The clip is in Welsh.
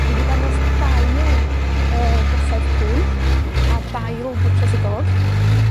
Dwi 'di dangos dail yy Bysedd Cŵn, a dail Bwtsias y Gog.